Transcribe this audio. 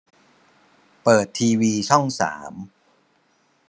เปิดทีวีช่องสาม